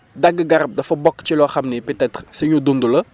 dagg garab dafa bokk ci loo xamni peut être suñu dund la